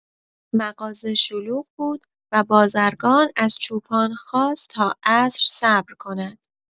مغازه شلوغ بود و بازرگان از چوپان خواست تا عصر صبر کند.